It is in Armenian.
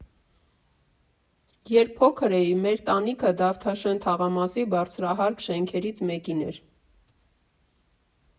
Երբ փոքր էի, մեր տանիքը Դավթաշեն թաղամասի բարձրահարկ շենքերից մեկին էր։